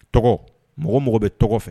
Tɔgɔ mɔgɔ mɔgɔ bɛ tɔgɔ fɛ